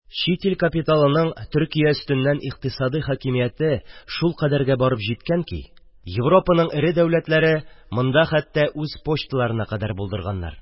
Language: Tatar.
Чит ил капиталының Төркия өстеннән икътисади хәкимияте шулкадәргә барып җиткән ки, Европаның эре дәүләтләре монда хәттә үз почталарына кадәр булдырганнар.